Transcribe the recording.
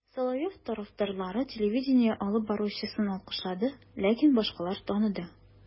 Соловьев тарафдарлары телевидение алып баручысын алкышлады, ләкин башкалар таныды: